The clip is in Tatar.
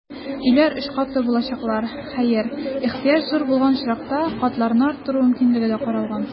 Өйләр өч катлы булачаклар, хәер, ихтыяҗ зур булган очракта, катларны арттыру мөмкинлеге дә каралган.